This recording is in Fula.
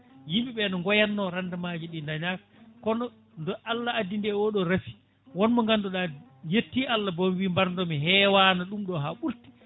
yimɓeɓe ne goyanno rendement ji ɗi dañaka kono do Allah addi nde oɗo raafi wonmo ganduɗa yetti Allah wi mbardomi hewano ɗum ɗo ha ɓurti